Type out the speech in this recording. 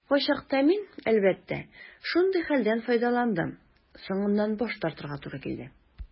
Кайчакта мин, әлбәттә, шундый хәлдән файдаландым - соңыннан баш тартырга туры килде.